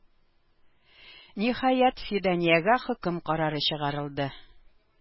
Ниһаять, Фиданиягә хөкем карары чыгарылды.